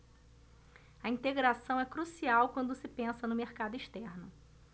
a integração é crucial quando se pensa no mercado externo